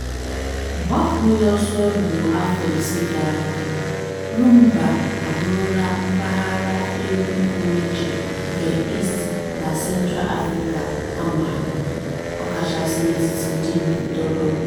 Gbapụ ya ọsọ ruo afọ ise gara aga, Rhumba abụrụla mpaghara egwu puru iche nke East na Central Africa a ma ama, ọkachasị n'etiti ndị ntorobịa.